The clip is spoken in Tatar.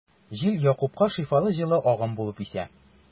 Җил Якупка шифалы җылы агым булып исә.